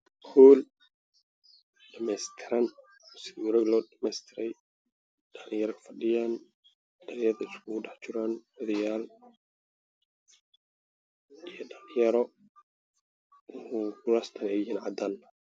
Qofood dhammaystiran oo dhisan wey ku dhex jiraan dhallinyaro dhalinyaro isku dhex jiraan odayaal ayaa dhaliyo